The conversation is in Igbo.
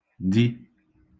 di